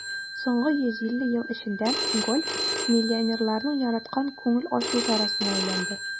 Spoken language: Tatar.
Соңгы 150 ел эчендә гольф миллионерларның яраткан күңел ачу чарасына әйләнде.